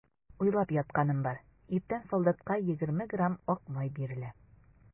Уйлап ятканым бар: иртән солдатка егерме грамм ак май бирелә.